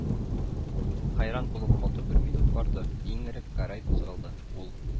Хәйран булып кату бер минут барды, иң элек Гәрәй кузгалды, ул: